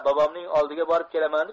bobomning oldiga borib kelaman deb